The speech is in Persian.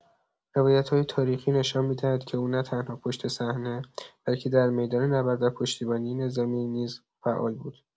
روایت‌های تاریخی نشان می‌دهد که او نه‌تنها پشت‌صحنه، بلکه در میدان نبرد و پشتیبانی نظامی نیز فعال بود.